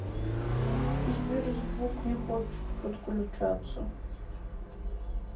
сбер звук не хочет подключаться